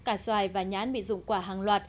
cả xoài và nhãn bị rụng quả hàng loạt